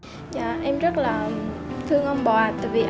dạ em rất là thương ông bà tại vì